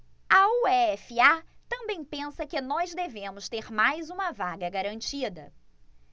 a uefa também pensa que nós devemos ter mais uma vaga garantida